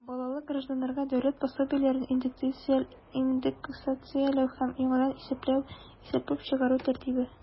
Балалы гражданнарга дәүләт пособиеләрен индексацияләү һәм яңадан исәпләп чыгару тәртибе.